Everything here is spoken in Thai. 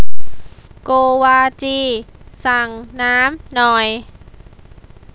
โกวาจีสั่งน้ำหน่อย